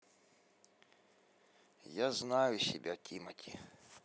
я знаю себя тимати